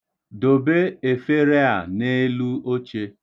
Dobe efere a n’elu oche.